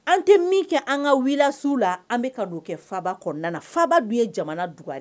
An tɛ min kɛ an ka wilasiw la an bɛ ka na o kɛ faba kɔnɔna faba dun ye jamana